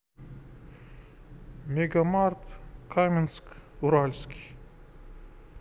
мегамарт каменск уральский